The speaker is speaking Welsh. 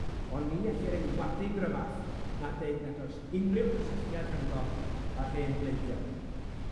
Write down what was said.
on' ni ellir ei wadu'n gryfach na deud nad oes unryw gysylltiad rhyngo â'r hen bleidiau.